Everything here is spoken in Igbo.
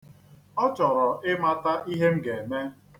Ọ chọrọ ịmata ihe m ga-eme.